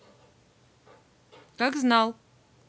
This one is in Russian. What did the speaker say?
как знал